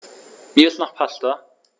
Mir ist nach Pasta.